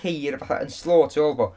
Ceir fatha yn slô tu ôl iddo fo...